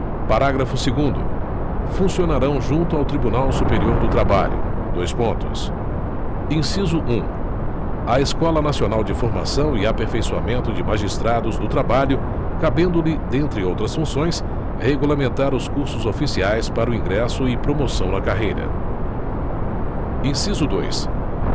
parágrafo segundo funcionarão junto ao tribunal superior do trabalho dois pontos inciso um a escola nacional de formação e aperfeiçoamento de magistrados do trabalho cabendo lhe dentre outras funções regulamentar os cursos oficiais para o ingresso e promoção na carreira inciso dois